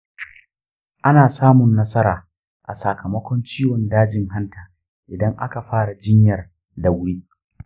ana samun nasara a sakamakon ciwon dajin hanta idan aka fara jinyar da wuri.